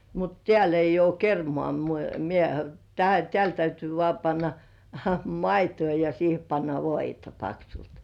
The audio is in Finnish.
mutta täällä ei ole kermaa - minä - täällä täytyy vain panna maitoa ja siihen panna voita paksulti